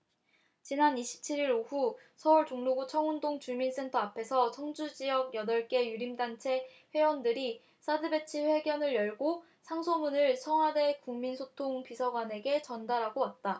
지난 이십 칠 일 오후 서울 종로구 청운동주민센터 앞에서 성주지역 여덟 개 유림단체 회원들이 사드배치 회견을 열고 상소문을 청와대 국민소통 비서관에게 전달하고 있다